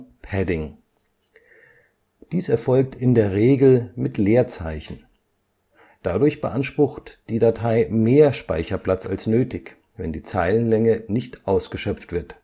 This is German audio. Padding); dies erfolgt in der Regel mit Leerzeichen. Dadurch beansprucht die Datei mehr Speicherplatz als nötig, wenn die Zeilenlänge nicht ausgeschöpft wird